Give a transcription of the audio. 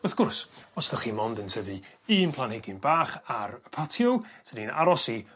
Wrth gwrs os 'dach chi mond yn tyfu un planhigyn bach ar patio swn i'n aros i